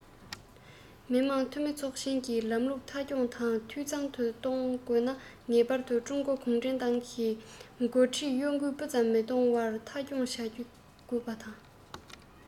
མི དམངས འཐུས མི ཚོགས ཆེན གྱི ལམ ལུགས མཐའ འཁྱོངས དང འཐུས ཚང དུ གཏོང དགོས ན ངེས པར དུ ཀྲུང གོ གུང ཁྲན ཏང གི འགོ ཁྲིད གཡོ འགུལ སྤུ ཙམ མི གཏོང བར མཐའ འཁྱོངས བྱེད དགོས པ དང